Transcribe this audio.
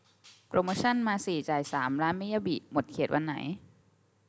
โปรโมชันมาสี่จ่ายสามร้านมิยาบิหมดเขตวันไหน